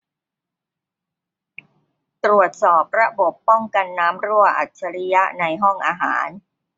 ตรวจสอบระบบป้องกันน้ำรั่วอัจฉริยะในห้องอาหาร